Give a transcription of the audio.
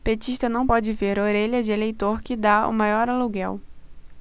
petista não pode ver orelha de eleitor que tá o maior aluguel